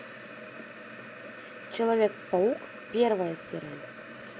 человек паук первая серия